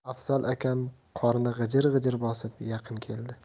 afzal akam qorni g'ijir g'ijir bosib yaqin keldi